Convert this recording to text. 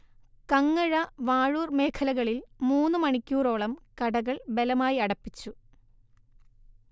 കങ്ങഴ, വാഴൂർ മേഖലകളിൽ മൂന്നു മണിക്കൂറോളം കടകൾ ബലമായി അടപ്പിച്ചു